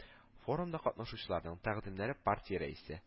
Форумда катнашучыларның тәкъдимнәре партия рәисе